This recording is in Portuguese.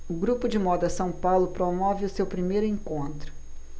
o grupo de moda são paulo promove o seu primeiro encontro